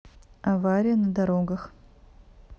авария на дорогах